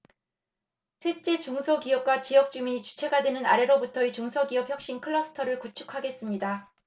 셋째 중소기업과 지역주민이 주체가 되는 아래로부터의 중소기업 혁신 클러스터를 구축하겠습니다